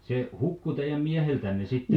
se hukkui teidän mieheltänne sitten